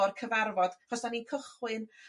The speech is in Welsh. o'r cyfarfod chos 'dan ni'n cychwyn